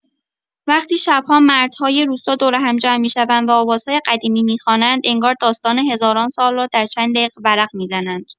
وقتی شب‌ها مردهای روستا دور هم جمع می‌شوند و آوازهای قدیمی می‌خوانند، انگار داستان هزاران سال را در چند دقیقه ورق می‌زنند.